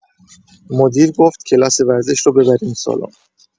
مدیر گفت کلاس ورزش رو ببرین سالن.